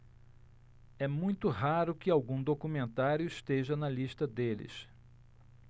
é muito raro que algum documentário esteja na lista deles